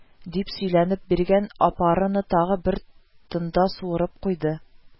" дип сөйләнеп, биргән апараны тагы бер тында суырып куйды